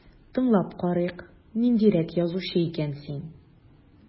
Тыңлап карыйк, ниндирәк язучы икән син...